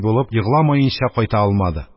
Булып, егламаенча кайта алмады